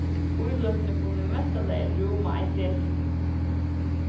íløtini kunnu í mesta lagi kunnu rúma ein desilitur